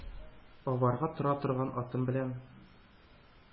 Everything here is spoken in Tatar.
Аварга тора торган атым белән,